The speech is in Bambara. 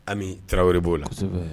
An tarawele wɛrɛ b'o la